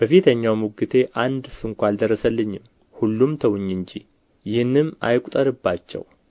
በፊተኛው ሙግቴ አንድ ስንኳ አልደረሰልኝም ሁሉም ተዉኝ እንጂ ይህንም አይቍጠርባቸው